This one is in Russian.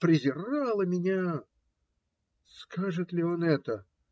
Презирала меня!" Скажет ли он это?